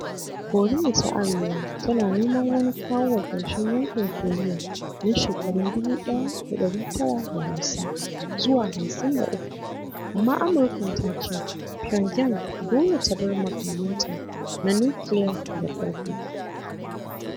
Koriya ta Arewa tana neman wani kawo wa ƙarshen Yaƙin Koriya na shekarun 1950 zuwa 53, amma Amurkan ta ce Pyongyang dole ta bar makamanta na nukiliya daga farko.